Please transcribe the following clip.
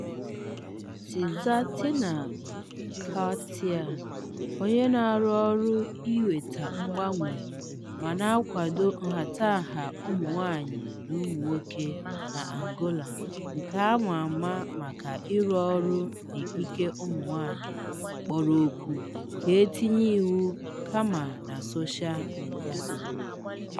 Sizaltina Cutaia, onye na-arụ ọrụ iweta mgbanwe ma na-akwado nhatanha ụmụ nwaanyị na ụmụ nwoke na Angola nke ama ama maka ịrụ ọrụ n'ikike ụmụ nwaanyị, kpọrọ oku ka e tinye iwu ka mma na socha midia: